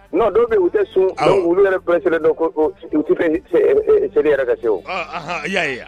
No dɔw bɛ yen u tɛ sun olu yɛrɛ presser len don yɛrɛ ka ko u tɛ fɛ seli ka kɛ o.